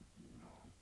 joo